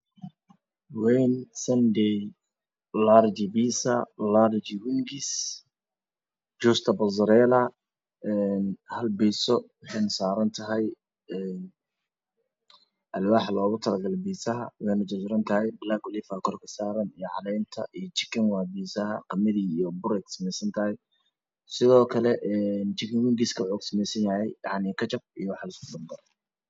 Waxaa ii muuqdo pizza la xayeysiinayo oo saaran waax loogu talo galay in dadka loogu geeyo halka xabo waa shan iyo toban doolar waxa uu ka kooban yahay bur qamadi ah iyo ukun